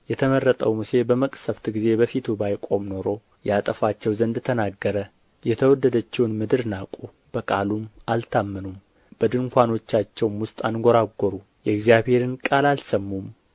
የተመረጠው ሙሴ በመቅሠፍት ጊዜ በፊቱ ባይቆም ኖሮ ያጠፋቸው ዘንድ ተናገረ የተወደደችውን ምድር ናቁ በቃሉም አልታመኑም በድንኳኖቻቸውም ውስጥ አንጐራጐሩ የእግዚአብሔርን ቃል አልሰሙም